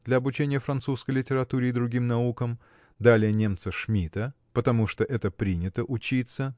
для обучения французской литературе и другим наукам далее немца Шмита потому что это принято – учиться